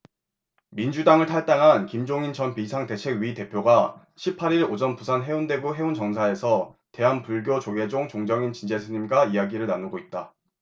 민주당을 탈당한 김종인 전 비상대책위 대표가 십 팔 일 오전 부산 해운대구 해운정사에서 대한불교조계종 종정인 진제 스님과 이야기를 나누고 있다